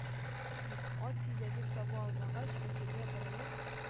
- дип, ат тизәген таба алмагач, әсиргә борылып,